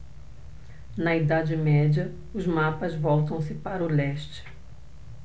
na idade média os mapas voltam-se para o leste